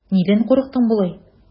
Нидән курыктың болай?